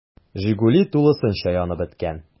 “жигули” тулысынча янып беткән.